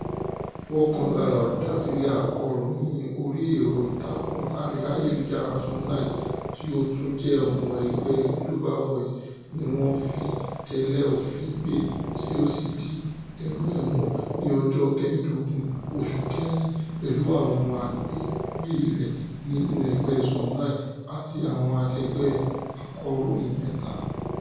Ọkàn lára olùdásílẹ̀ akọ̀ròyìn orí ẹ̀rọ ìtàkùn ayélujára Zone9 tí ó tún jẹ́ ọmọ ẹgbẹ́ Global Voices ni wọ́n fi kélé òfin gbé tí ó sì di èrò ẹ̀wọ̀n ní ọjọ́ kẹẹ̀dógún oṣù kẹrin pẹ̀lú àwọn akẹgbẹ́ rẹ̀ nínú ẹgbẹ́ Zone9 àti àwọn akẹgbẹ́ akọ̀ròyìn mẹ́ta.